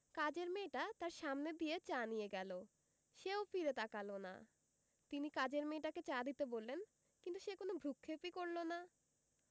কাজের মেয়েটা তাঁর সামনে দিয়ে চা নিয়ে গেল সে ও ফিরে তাকাল না তিনি কাজের মেয়েটাকে চা দিতে বললেন কিন্তু সে কোনো ভ্রুক্ষেপই করল না